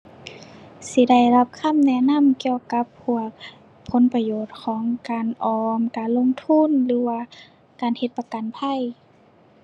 สิได้รับคำแนะนำเกี่ยวกับพวกผลประโยชน์ของการออม การลงทุน หรือว่าการเฮ็ดประกันภัย